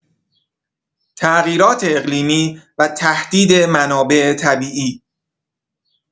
تغییرات اقلیمی و تهدید منابع طبیعی